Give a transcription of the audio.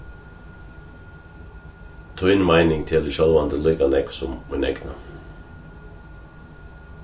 tín meining telur sjálvandi líka nógv sum mín egna